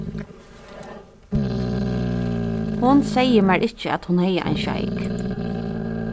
hon segði mær ikki at hon hevði ein sjeik